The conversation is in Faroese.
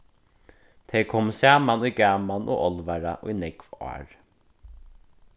tey komu saman í gaman og álvara í nógv ár